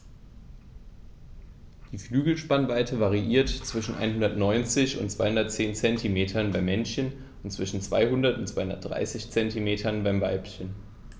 Die Flügelspannweite variiert zwischen 190 und 210 cm beim Männchen und zwischen 200 und 230 cm beim Weibchen.